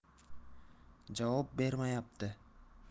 javob bermayapti